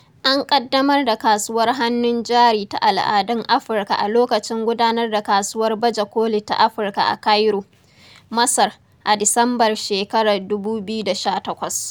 An ƙaddamar da Kasuwar Hannun Jari ta al'adun Afirka a lokacin gudanar da kasuwar baje koli ta Afirka a Cairo, Masar a Disambar shekarar 2018.